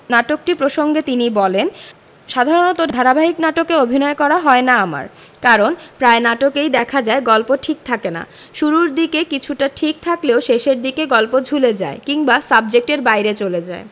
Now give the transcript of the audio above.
নাটকটি প্রসঙ্গে তিনি বলেন সাধারণত ধারাবাহিক নাটকে অভিনয় করা হয় না আমার কারণ প্রায় নাটকেই দেখা যায় গল্প ঠিক থাকে না শুরুর দিকে কিছুটা ঠিক থাকলেও শেষের দিকে গল্প ঝুলে যায় কিংবা সাবজেক্টের বাইরে চলে যায়